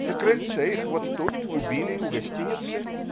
На крыльце их, вот тут убили, у гостиницы".